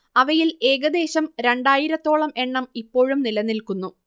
അവയിൽ ഏകദ്ദേശം രണ്ടായിരത്തോളം എണ്ണം ഇപ്പോഴും നിലനിൽക്കുന്നു